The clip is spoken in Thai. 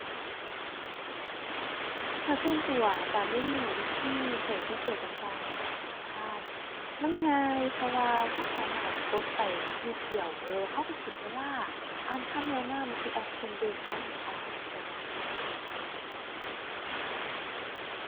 ถ้าส่วนตัวการเรียนรู้วิธีใช้ฟีเจอร์ต่างต่างในแอปธนาคารมันง่ายเพราะว่าใช้สามารถกดไปนิดเดียว แล้วใช้ใช้เสียเวลาอ่านคำแนะนำที่แอปเพิ่นเด้งมาให้อ่านแค่นั้น